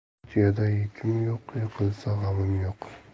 tuyada yukim yo'q yiqilsa g'amim yo'q